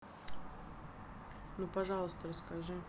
ну пожалуйста расскажи